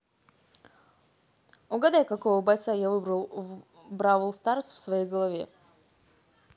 угадай какого бойца я выбрал бравл старс в своей голове